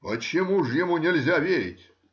— Почему же ему нельзя верить?